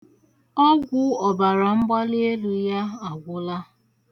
Ọgwụ ọbaramgbalielu ya agwụla.